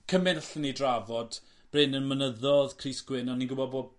Cyment allen ni drafod brenin yn mynyddo'dd crys gwyn a o'n ni'n gwbo bo'